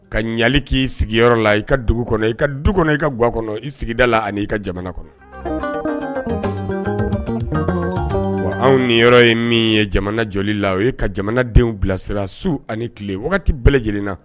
Ka ɲali k'i sigiyɔrɔ yɔrɔ la i ka dugu kɔnɔ i ka du kɔnɔ i ka gau kɔnɔ i sigida la ani' ka jamana kɔnɔ wa anw ni yɔrɔ ye min ye jamana joli la o ye ka jamana denw bilasira su ani tile bɛɛ lajɛlen na